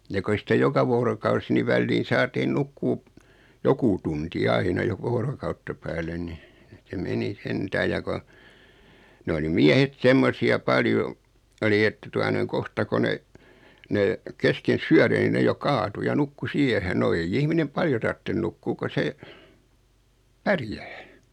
ja kun ei sitä joka vuorokausi niin väliin saatiin nukkua joku tunti aina joka vuorokautta päälle niin se meni sentään ja kun ne oli miehet semmoisia paljon oli että tuota noin kohta kun ne ne kesken syöden niin ne jo kaatui ja nukkui siihen no ei ihminen paljon tarvitse nukkua kun se pärjää